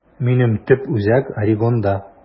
Минем төп үзәк Орегонда.